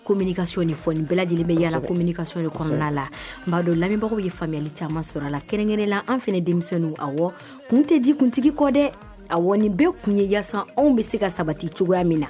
Communication de fɔ nin bɛɛlajɛlen bɛ yala communication de kɔnɔna la n b'a dɔn lamɛbagaw ye famuyali caman sɔrɔ a la kɛrɛnkɛrɛnla anw fɛnɛ demiseninw awɔ kun tɛ di kuntigi kɔ dɛ awɔ nin bɛɛ kun ye yaasa anw bɛ se ka sabati cogoya min na